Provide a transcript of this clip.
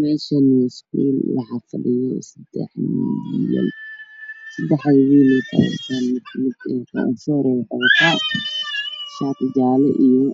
Meeshaan waa iskuul waxaa fadhiyo seddex wiil mid waxuu wataa shaati jaale ah iyo